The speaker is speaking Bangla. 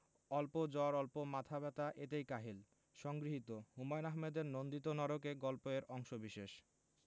অল্প জ্বর অল্প মাথা ব্যাথা এতেই কাহিল সংগৃহীত হুমায়ুন আহমেদের নন্দিত নরকে গল্প এর অংশবিশেষ